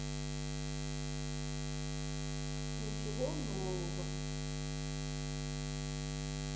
ничего нового